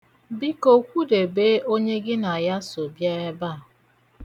Biko, kwụdebe onye gị na ya so bịa ebe a.